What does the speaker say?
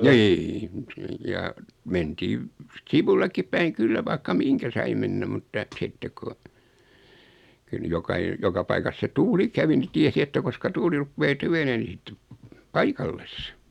niin just niin ja mentiin sivullekin päin kyllä vaikka minkä sai mennä mutta sitten kun kyllä nyt - joka paikassa se tuuli kävi niin tiesi että koska tuuli rupeaa tyvenemään niin sitten paikalleen